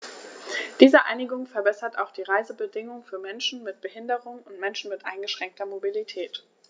Diese Einigung verbessert auch die Reisebedingungen für Menschen mit Behinderung und Menschen mit eingeschränkter Mobilität.